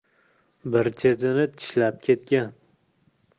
bir chetini tishlab ketgan